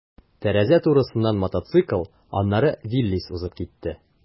Тәрәзә турысыннан мотоцикл, аннары «Виллис» узып китте.